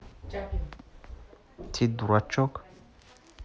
ты дурачок